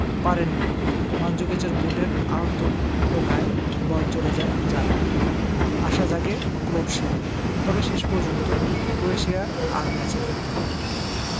পারেননি মানজুকিচের বুটের আলতো টোকায় বল চলে যায় জালে আশা জাগে ক্রোট শিবিরে তবে শেষ পর্যন্ত ক্রোয়েশিয়া আর ম্যাচে ফিরতে পারেনি